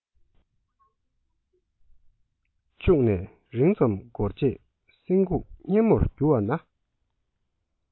བཅུག ནས རིང ཙམ འགོར རྗེས བསྲིངས འགུག མཉེན མོར གྱུར བ ན